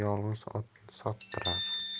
yolg'iz otni sottirar